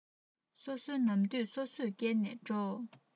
སོ སོའི ནམ དུས སོ སོས བསྐྱལ ནས འགྲོ